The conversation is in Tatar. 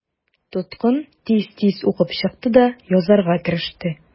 Тоткын тиз-тиз укып чыкты да язарга кереште.